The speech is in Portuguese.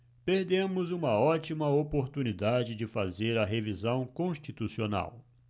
perdemos uma ótima oportunidade de fazer a revisão constitucional